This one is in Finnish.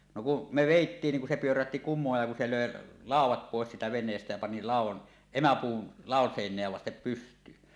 no kun me vedettiin niin kun se pyörähti kumoon ja kun se löi laudat pois siitä veneestä ja pani laudan emäpuun ladon seinää vasten pystyyn